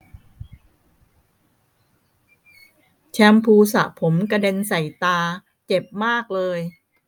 แชมพูสระผมกระเด็นใส่ตาเจ็บมากเลย